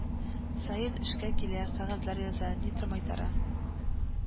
Саен эшкә килә, кәгазьләр яза, нидер майтара